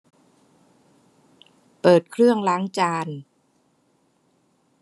เปิดเครื่องล้างจาน